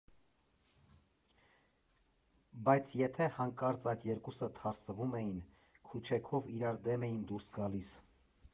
Բայց եթե հանկարծ այդ երկուսը թարսվում էին՝ քուչեքով իրար դեմ էին դուրս գալիս։